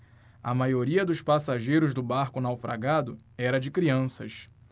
a maioria dos passageiros do barco naufragado era de crianças